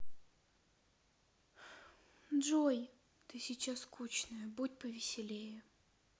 джой ты сейчас скучная будь повеселее